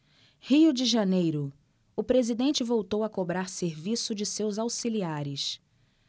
rio de janeiro o presidente voltou a cobrar serviço de seus auxiliares